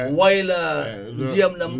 wayla ndiyam ɗam